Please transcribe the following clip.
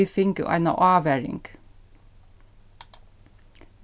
vit fingu eina ávaring